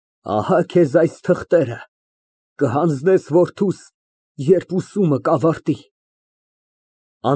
Ահա քեզ այս թղթերը, կհանձնես որդուս, երբ ուսումը կավարտի»։